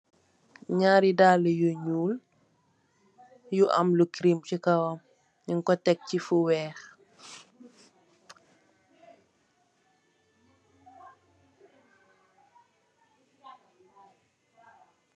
Naari daali yu ñuul yu am lu kirèm ci kawam nung ko tekk chi fu weeh.